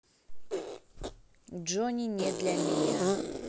джонни не для меня